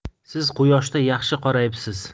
siz quyoshda yaxshi qorayibsiz